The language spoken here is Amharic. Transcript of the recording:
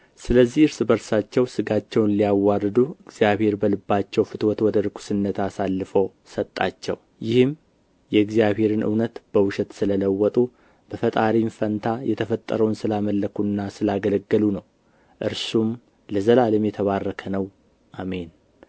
ስለዚህ እርስ በርሳቸው ሥጋቸውን ሊያዋርዱ እግዚአብሔር በልባቸው ፍትወት ወደ ርኵስነት አሳልፎ ሰጣቸው ይህም የእግዚአብሔርን እውነት በውሸት ስለ ለወጡ በፈጣሪም ፈንታ የተፈጠረውን ስላመለኩና ስላገለገሉ ነው እርሱም ለዘላለም የተባረከ ነው አሜን